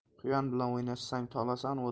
quyon bilan o'ynashsang tolasan